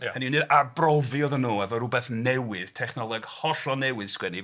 Hynny yw, nid arbrofi oedden nhw efo rhywbeth newydd, technoleg hollol newydd sgwennu.